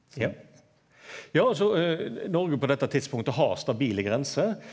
ja ja altså Noreg på dette tidspunktet har stabile grenser.